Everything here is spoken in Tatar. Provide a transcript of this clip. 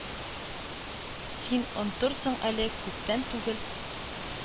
Син онтырсың әле күптән түгел